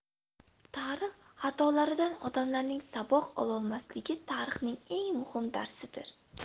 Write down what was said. tarix xatolaridan odamlarning saboq ololmasligi tarixning eng muhim darsidir